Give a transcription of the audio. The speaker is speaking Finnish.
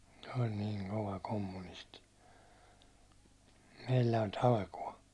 se oli niin kova kommunisti meillä oli talkoot